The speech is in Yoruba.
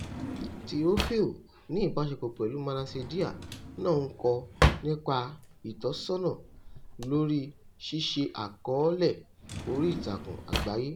Théophile ní ìbáṣepọ̀ pẹ̀lú Manasseh Deheer náà ń kọ nípa ìtọ́sọ́nà lórí ṣíṣe àkọọ́lẹ̀ oríìtakùn àgbáyé.